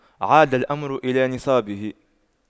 عاد الأمر إلى نصابه